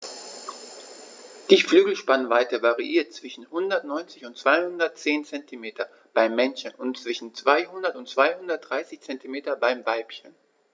Die Flügelspannweite variiert zwischen 190 und 210 cm beim Männchen und zwischen 200 und 230 cm beim Weibchen.